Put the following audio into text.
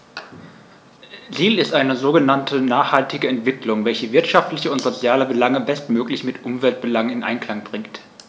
Ziel ist eine sogenannte nachhaltige Entwicklung, welche wirtschaftliche und soziale Belange bestmöglich mit Umweltbelangen in Einklang bringt.